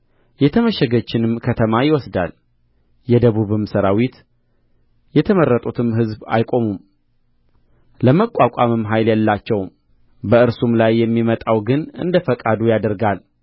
የተመሸገችንም ከተማ ይወስዳል የደቡብም ሠራዊት የተመረጡትም ሕዝቡ አይቆሙም ለመቋቋምም ኃይል የላቸውም በእርሱም ላይ የሚመጣው ግን እንደ ፈቃዱ ያደርጋል